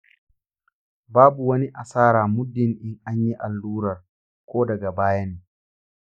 babu wani asara muddin in anyi allurar ko daga baya ne